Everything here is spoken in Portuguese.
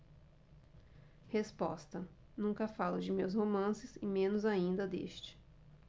resposta nunca falo de meus romances e menos ainda deste